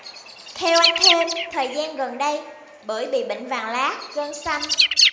theo anh thêm thời gian gần đây bưởi bị bệnh vàng lá gân xanh